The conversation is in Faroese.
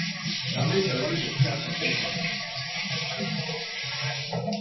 tað nyttar einki at kjakast við kong